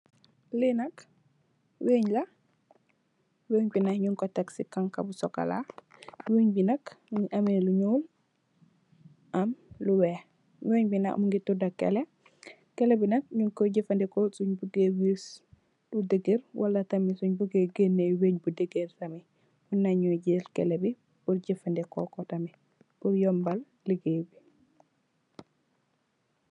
Lii nak weungh la, weungh bii nak njung kor tek cii khanka bu chocolat, weungh bii nak mungy ameh lu njull, am lu wekh, weungh bii nak mungy tuda kleh, kleh bii nak njung koi jeufandehkor sungh bugeh wiss pur degerre wala tamit sungh bugeh geneh weungh bu degerre tamit, amna njui jel kleh bii pur jeufandehkor kor tamit pur yombal legaye bii.